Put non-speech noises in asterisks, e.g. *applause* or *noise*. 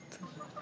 *hesitation* *hesitation*